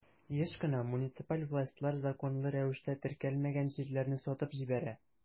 Еш кына муниципаль властьлар законлы рәвештә теркәлмәгән җирләрне сатып җибәрә.